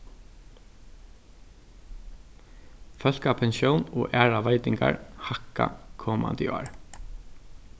fólkapensjón og aðrar veitingar hækka komandi ár